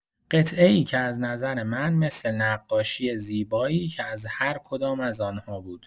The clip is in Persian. قطعه‌ای که از نظر من مثل نقاشی زیبایی از هر کدام از آن‌ها بود.